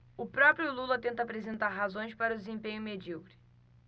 o próprio lula tenta apresentar razões para o desempenho medíocre